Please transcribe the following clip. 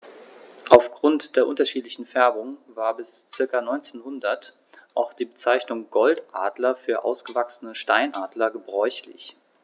Auf Grund der unterschiedlichen Färbung war bis ca. 1900 auch die Bezeichnung Goldadler für ausgewachsene Steinadler gebräuchlich.